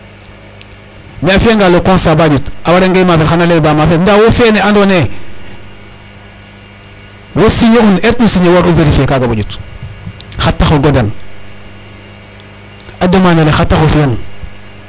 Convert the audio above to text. Mais a fi'anga le constat ba ƴut a warange maafel xan a laynge ba maafel ndaa wo fene andoona yee wo signer et no signer wo waru vérifier kaaga bo ƴut xar tax o godan a demande ale xa taxu o fi'an .